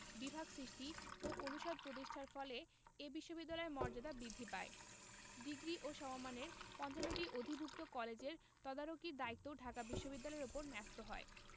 বিভাগ সৃষ্টি ও অনুষদ প্রতিষ্ঠার ফলে এ বিশ্ববিদ্যালয়ের মর্যাদা বৃদ্ধি পায় ডিগ্রি ও সমমানের ৫৫টি অধিভুক্ত কলেজের তদারকির দায়িত্বও ঢাকা বিশ্ববিদ্যালয়ের ওপর ন্যস্ত হয়